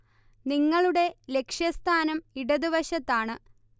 നിങ്ങളുടെ ലക്ഷ്യസ്ഥാനം ഇടതുവശത്താണ്